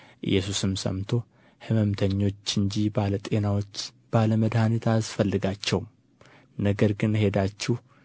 ኢየሱስም ሰምቶ ሕመምተኞች እንጂ ባለ ጤናዎች ባለ መድኃኒት አያስፈልጋቸውም ነገር ግን ሄዳችሁ